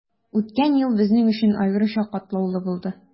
Үткән ел безнең өчен аеруча катлаулы булды.